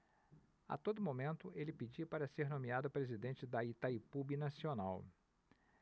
a todo momento ele pedia para ser nomeado presidente de itaipu binacional